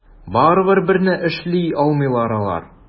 Барыбер берни эшли алмыйлар алар.